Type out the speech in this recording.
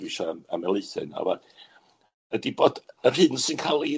dwi isio ymhelaethu ydi bod yr hyn sy'n ca'l 'i